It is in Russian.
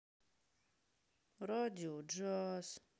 радио джаз